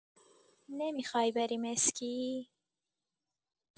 نمی‌خوای بریم اسکی؟